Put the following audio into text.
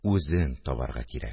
Үзен табарга кирәк